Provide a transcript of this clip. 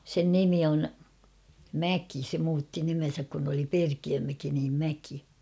sen nimi on Mäki se muutti nimensä kun oli Perkiömäki niin Mäki